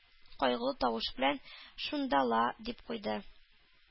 Кайгылы тавыш белән: шунда ла...- дип куйды.